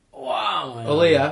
Waw! O leia!